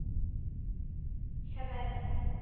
Хәбәрне